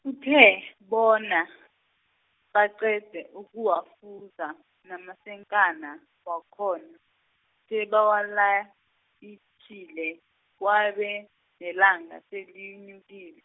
kuthe, bona, baqede ukuwufuza namasenkana, wakhona, sebawalayitjhile, kwabe, nelanga, selenyukile.